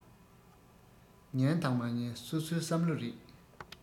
ཉན དང མ ཉན སོ སོའི བསམ བློ རེད